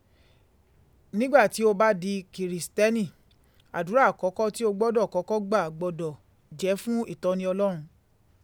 Nígbà tí o bá di Kiristẹni, àdúrà àkọ́kọ́ tí o gbọ́dọ̀ kọ́kọ́ gbà gbọ́dọ̀ jẹ́ fún ìtọ́ni Ọlọ́run